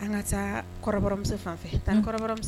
An ka taa kɔrɔbɔrɔmuso fan fɛ.